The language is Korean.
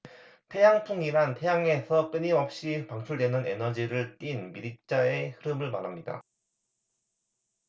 태양풍이란 태양에서 끊임없이 방출되는 에너지를 띤 미립자의 흐름을 말합니다